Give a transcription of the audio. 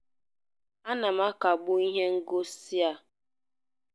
A na m akagbu ihe ngosi a.